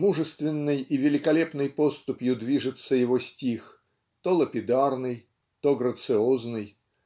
Мужественной и великолепной поступью движется его стих то лапидарный то грациозный